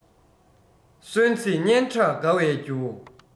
གསོན ཚེ སྙན གྲགས དགའ བའི རྒྱུ